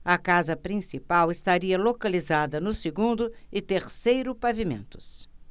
a casa principal estaria localizada no segundo e terceiro pavimentos